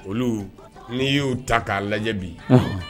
Olu n'i y'u ta k'a lajɛ bi